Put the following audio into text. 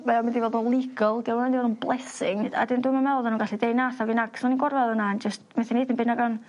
mae o mynd i fod yn legal 'di o'm myn' i fo' yn blessing a 'dyn dwi'm yn meddwl bo' nw'n gallu deud na wrtha na 'c'os o'n i'n gorwedd yna yn jyst methu neud dim byd nago'n?